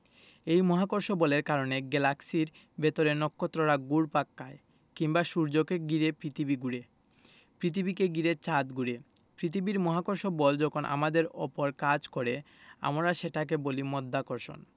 এই মহাকর্ষ বলের কারণে গ্যালাক্সির ভেতরে নক্ষত্ররা ঘুরপাক খায় কিংবা সূর্যকে ঘিরে পৃথিবী ঘোরে পৃথিবীকে ঘিরে চাঁদ ঘোরে পৃথিবীর মহাকর্ষ বল যখন আমাদের ওপর কাজ করে আমরা সেটাকে বলি মধ্যাকর্ষণ